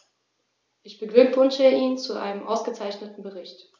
Ich beglückwünsche ihn zu seinem ausgezeichneten Bericht.